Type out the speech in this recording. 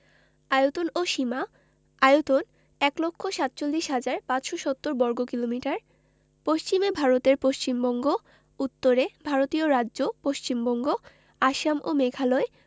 আয়তন ও সীমাঃ আয়তন ১লক্ষ ৪৭হাজার ৫৭০বর্গকিলোমিটার পশ্চিমে ভারতের পশ্চিমবঙ্গ উত্তরে ভারতীয় রাজ্য পশ্চিমবঙ্গ আসাম ও মেঘালয়